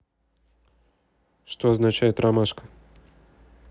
что означает ромашка